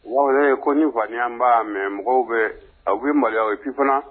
Waa ye ko ni fa b'a mɛ mɔgɔw bɛ aw bɛ maloya aw ye fi fana